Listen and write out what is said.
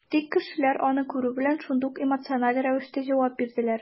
Тик кешеләр, аны күрү белән, шундук эмоциональ рәвештә җавап бирәләр.